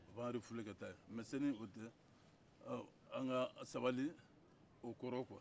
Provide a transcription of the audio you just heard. u b'an erfule ka taa yen mɛ sanni o cɛ an ka sabali u kɔrɔ kuwa